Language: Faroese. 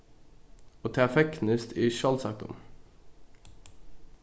og tað fegnist eg sjálvsagt um